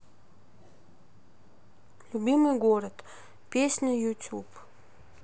любимый город песня youtube